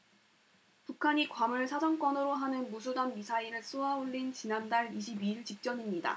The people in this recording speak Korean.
북한이 괌을 사정권으로 하는 무수단 미사일을 쏘아 올린 지난달 이십 이 일 직전입니다